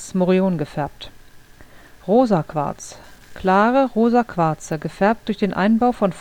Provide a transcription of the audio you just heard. Morion) gefärbt Rosa Quarz: klare rosa Quarze, gefärbt durch den Einbau von